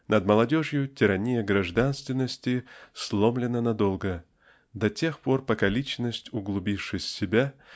Над молодежью тирания гражданственности сломлена надолго до тех пор пока личность углубившись в себя